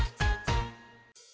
hồng